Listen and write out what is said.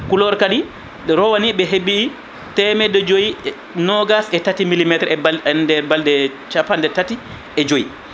Kulor kadi rowane ɓe heeɓei temedde joyyi e nogas e tati millimétre e bal e nder balɗe capanɗe tati e joyyi